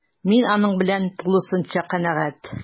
Мин аның белән тулысынча канәгать: